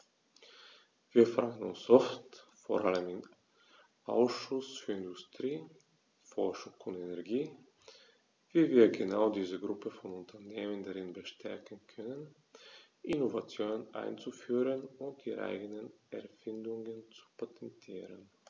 Wir fragen uns oft, vor allem im Ausschuss für Industrie, Forschung und Energie, wie wir genau diese Gruppe von Unternehmen darin bestärken können, Innovationen einzuführen und ihre eigenen Erfindungen zu patentieren.